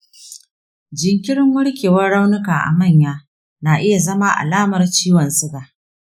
jinkirin warkewar raunuka a manya na iya zama alamar ciwon suga.